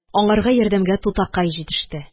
Аңарга ярдәмгә тутакай җитеште